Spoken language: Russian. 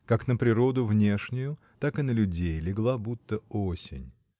Как на природу внешнюю, так и на людей легла будто осень.